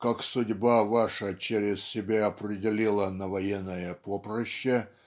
какъ судьба ваша черезъ себ определила на Военое Попрыще